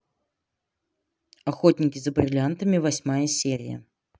охотники за бриллиантами восьмая серия